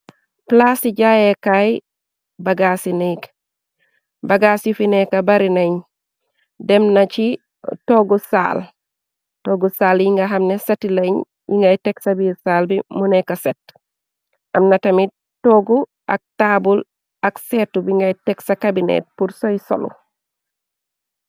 Plaas i jaayekaay bagaasi neeg bagaasi fineeka bari neñ dem na ci toggu saal toggu saal yi nga xamne sati lañ yi ngay teg sa biir saal bi muneeka set amna tami toggu ak taabul ak seetu bi ngay teg sa kabinet pursoy solu.